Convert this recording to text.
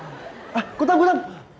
à cô tâm cô tâm